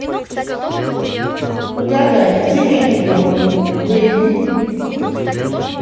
угадай где я не дома бейби